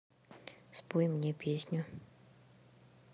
спой мне песню